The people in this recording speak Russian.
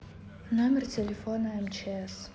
номер телефона мчс